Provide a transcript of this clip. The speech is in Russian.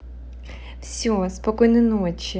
все спокойной ночи